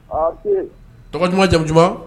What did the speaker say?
Tɔgɔ duman jamu duman